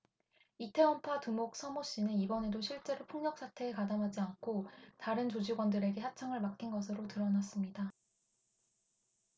이태원파 두목 서 모 씨는 이번에도 실제로 폭력 사태에 가담하지 않고 다른 조직원들에게 하청을 맡긴 것으로 드러났습니다